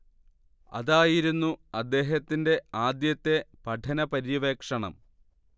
അതായിരുന്നു അദ്ദേഹത്തിന്റെ ആദ്യത്തെ പഠന പര്യവേക്ഷണം